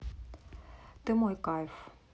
ты мой кайф